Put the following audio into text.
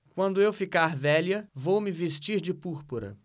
quando eu ficar velha vou me vestir de púrpura